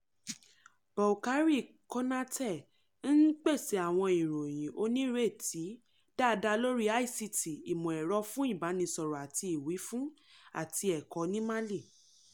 Boukary Konaté ń pèsè àwọn ìròyìn onírètí dáadáa lórí ICT (Ìmọ̀-ẹ̀rọ fún Ìbánisọ̀rọ̀ àti Ìwífún) àti ẹ̀kọ́ ní Mali.